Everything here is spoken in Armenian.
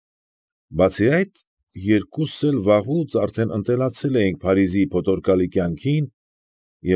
Բացի այդ, երկուսս էլ վաղուց արդեն ընտելացել էինք Փարիզի փոթորկալի կյանքին և։